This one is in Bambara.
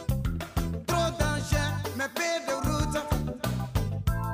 Kun mɛ bɛ dugutan